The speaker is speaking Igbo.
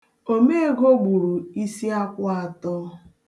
Omeego gburu isiakwụ atọ.